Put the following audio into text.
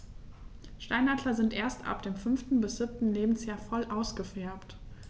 Steinadler sind erst ab dem 5. bis 7. Lebensjahr voll ausgefärbt.